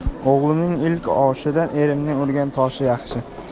o'g'limning ilik oshidan erimning urgan toshi yaxshi